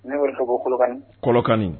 Ne wari sogo kolokani kɔlɔkani